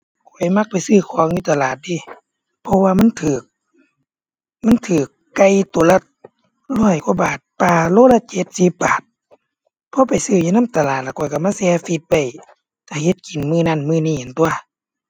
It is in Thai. อันนี้ก็บ่รู้คือกัน